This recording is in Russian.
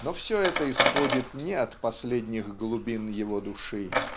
но все это исходит не от последних глубин его души